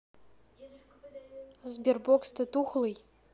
sberbox ты тухлый